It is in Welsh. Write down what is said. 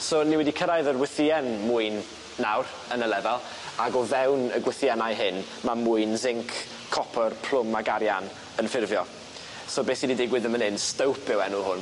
So ni wedi cyrraedd yr wythïen mwyn nawr yn y lefel ag o fewn y gwthïenau hyn, ma' mwyn zinc, copor, plwm ag arian yn ffurfio. So beth sy 'di digwydd yn fyn 'yn stowp yw enw hwn